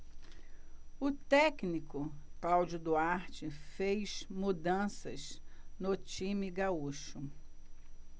o técnico cláudio duarte fez mudanças no time gaúcho